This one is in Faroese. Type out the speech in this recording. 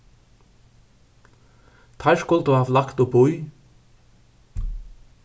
teir skuldu havt lagt uppí